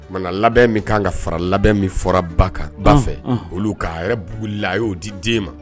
Tumana labɛn min ka kan ka fara labɛn min fɔra ba kan. Anhan! ba fɛ, anhan,. Olu, k'a yɛrɛ bukilila a y'o di den ma.